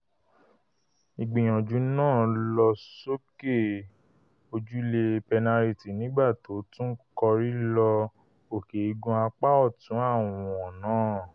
Ìgbìyànjú náà lọ sókè ojúlé pẹnáritì nígbà tó tún kọrí lọ òkè igun apá ọ̀tún àwọ̀n náà.